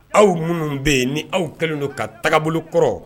Aw minnu bɛ yen ni aw kɛlen don ka tagabolo kɔrɔ